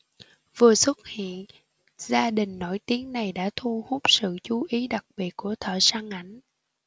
vừa xuất hiện gia đình nổi tiếng này đã thu hút sự chú ý đặc biệt của thợ săn ảnh